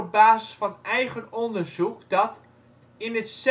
basis van eigen onderzoek dat " in its